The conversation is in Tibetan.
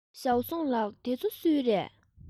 ཞའོ སུང ལགས འདི ཚོ སུའི རེད